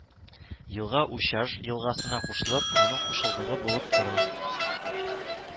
Елга Ущаж елгасына кушылып, аның кушылдыгы булып тора